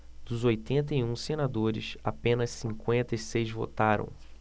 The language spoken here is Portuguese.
dos oitenta e um senadores apenas cinquenta e seis votaram